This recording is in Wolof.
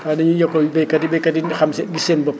waaw da ñuy yokkal baykat yi baykat yi xam seen gis seen bopp